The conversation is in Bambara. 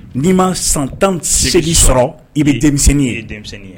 N'i ma san 18 sɔrɔ i be denmisɛnnin ye i ye denmisɛnnin ye